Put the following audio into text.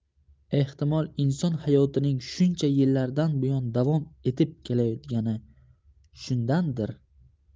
ehtimol inson hayotining shuncha yillardan buyon davom etib kelayotgani shundandir